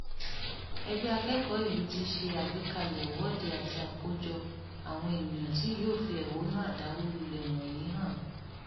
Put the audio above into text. Ẹgbẹ́ Urban Study ti ṣe àgbékalẹ̀ ìwọ́de àti àkójọ àwọn ènìyàn tí yóò fi ẹ̀hónú àdàwólulẹ̀ wọ̀nyí hàn.